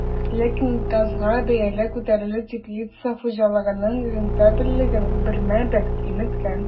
Ләкин газга бәяләр күтәрелү теплица хуҗалыгының рентабельлеген бермә-бер киметкән.